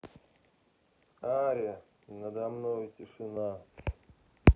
ария надо мною тишина